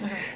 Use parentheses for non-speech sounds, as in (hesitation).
(hesitation) (hesitation)